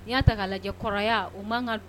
N y'a ta k' lajɛ kɔrɔya u man kan